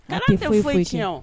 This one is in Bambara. Kalan tɛ fosi tiɲɛ o